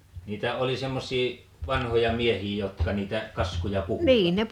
niitä oli semmoisia vanhoja miehiä jotka niitä kaskuja puhuivat